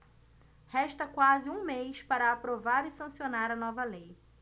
resta quase um mês para aprovar e sancionar a nova lei